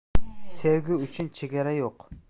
sevgi uchun chegara yo'q